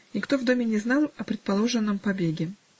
Никто в доме не знал о предположенном побеге.